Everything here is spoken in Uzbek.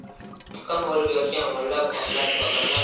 tiqin bo'lib yotgan o'nlab otlar odamlar